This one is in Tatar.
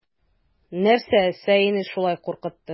Нәрсә саине шулай куркытты?